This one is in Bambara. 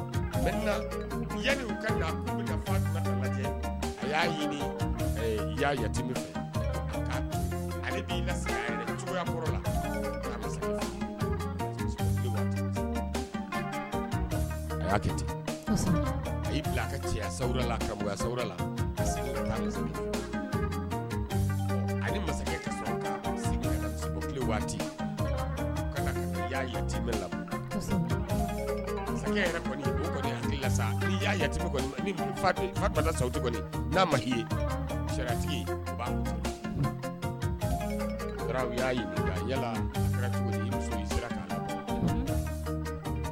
Ni a y'a ya cogoya la a waati ya sa n'a ma